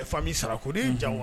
Famu sara koden jan wa